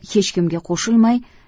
hech kimga qo'shilmay